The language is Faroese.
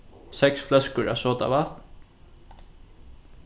seks fløskur av sodavatn